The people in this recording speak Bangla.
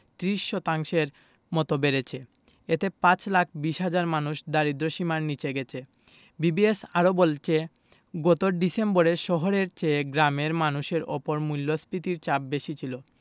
৩০ শতাংশের মতো বেড়েছে এতে ৫ লাখ ২০ হাজার মানুষ দারিদ্র্যসীমার নিচে গেছে বিবিএস আরও বলছে গত ডিসেম্বরে শহরের চেয়ে গ্রামের মানুষের ওপর মূল্যস্ফীতির চাপ বেশি ছিল